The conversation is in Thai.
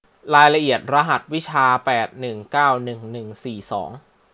รายละเอียดรหัสวิชาแปดหนึ่งเก้าหนึ่งหนึ่งสี่สอง